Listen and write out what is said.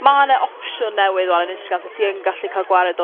Ma' 'na opsiwn newydd 'wan yn Instagram lle ti yn gallu ca'l gwared o